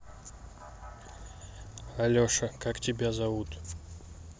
алеша как тебя зовут